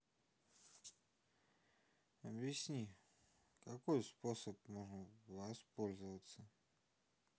объясни какой способ можно воспользоваться